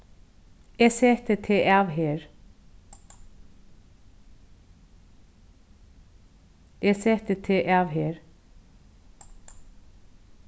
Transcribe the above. eg seti teg av her eg seti teg av her